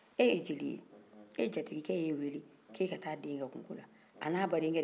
e ye jeli ye e jatikɛ ye wele k'e ka t'an den ka kunko la